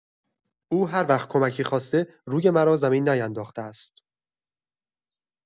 او هر وقت کمکی خواسته، روی مرا زمین نینداخته است.